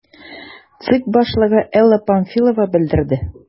ЦИК башлыгы Элла Памфилова белдерде: